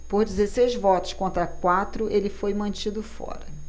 por dezesseis votos contra quatro ele foi mantido fora